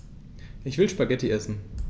Ich will Spaghetti essen.